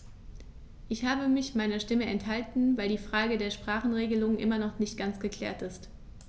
Ich habe mich meiner Stimme enthalten, weil die Frage der Sprachenregelung immer noch nicht ganz geklärt ist.